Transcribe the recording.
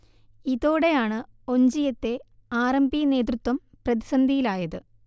ഇതോടെയാണ് ഒഞ്ചിയത്തെ R M P നേതൃത്വം പ്രതിസന്ധിയിലായത്